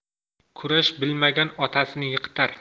kurash bilmagan otasini yiqitar